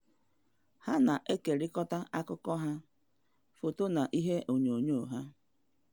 Ha na-ekekọrịta akụkọ ha, foto na vidio ha.